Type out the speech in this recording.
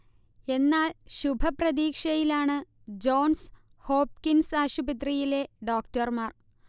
എന്നാൽ, ശുഭപ്രതീക്ഷയിലാണ് Johns Hopkins ആശുപത്രിയിലെ ഡോക്ടർമാർ